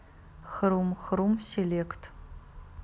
хрум хрум селект